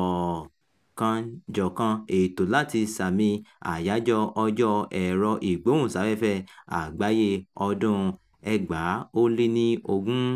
ọkànòjọ̀kan ètò láti sààmì Àyájọ́ Ọjọ́ Ẹ̀rọ-ìgbóhùnsáfẹ́fẹ́ Àgbáyé ọdún-un 2020.